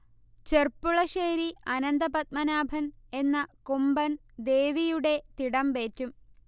ചെർപ്പുളശ്ശേരി അനന്തപദ്മനാഭൻ എന്ന കൊമ്പൻ ദേവിയുടെ തിടമ്പേറ്റും